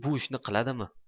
shu ishni qiladimi